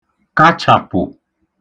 kachàpụ̀